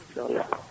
inchallah